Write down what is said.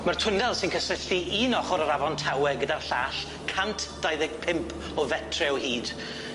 Ma'r twnnel sy'n cysylltu un ochor o'r Afon Tawe gyda'r llall cant dau ddeg pump o fetre o hyd.